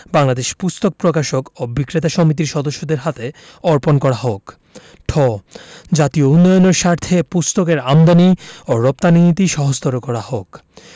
বাংলাদেশ পুস্তক প্রকাশক ও বিক্রেতা সমিতির সদস্যদের হাতে অর্পণ করা হোক ঠ জাতীয় উন্নয়নের স্বার্থে পুস্তকের আমদানী ও রপ্তানী নীতি সহজতর করা হোক